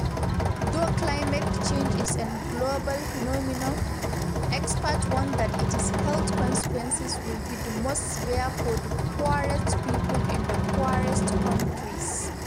Though climate change is a global phenomenon, experts warn that its health consequences will be the most severe for the poorest people in the poorest countries.